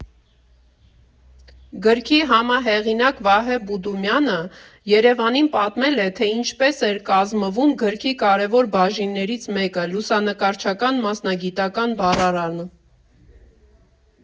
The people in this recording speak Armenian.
Գրքի համահեղինակ Վահե Բուդումյանը ԵՐԵՎԱՆին պատմել է, թե ինչպես էր կազմվում գրքի կարևոր բաժիններից մեկը՝ լուսանկարչական մասնագիտական բառարանը։